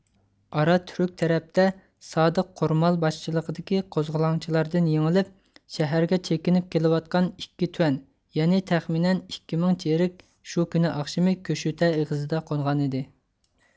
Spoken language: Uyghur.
ئاراتۈرۈك تەرەپتە سادىق قورمال باشچىلىقىدىكى قوزغىلاڭچىلاردىن يېڭىلىپ شەھەرگە چېكىنىپ كېلىۋاتقان ئىككى تۇەن يەنى تەخمىنەن ئىككى مىڭ چېرىك شۇ كۈنى ئاخشىمى كۆشۆتە ئېغىزىدا قونغانىدى